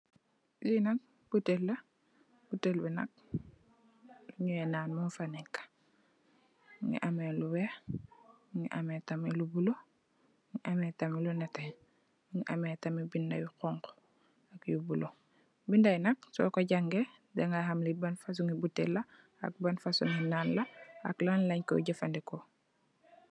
Li nak botale la botale bi nak lu nyui naan mofa neka mongi ame lu weex mongi ame tamit lu bulu ame tam lu netex ame tam binda yu xonxu yu bulu bindai nak soko jangex daga xam li ban fosongi botale la ak ban fosongi naa la ak lan len koi jefendeko.